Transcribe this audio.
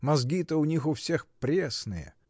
Мозги-то у них у всех пресные.